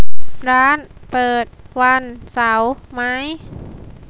ร้านเปิดวันเสาร์ไหม